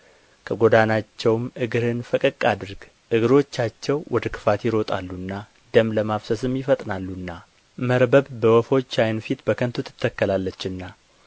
ከጎዳናቸውም እግርህን ፈቀቅ አድርግ እግሮቻቸው ወደ ክፋት ይሮጣሉና ደም ለማፍሰስም ይፈጥናሉና መርበብ በወፎች ዓይን ፊት በከንቱ ትተከላለችና